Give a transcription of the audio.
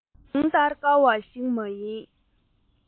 དུང ལྟར དཀར བ ཞིག མ ཡིན